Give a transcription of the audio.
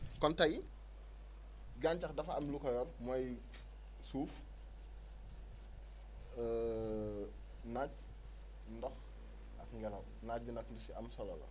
kon tey gàncax dafa am lu ko yor mooy suuf naaj ndox ngelaw naaj bi nag lu si am solo la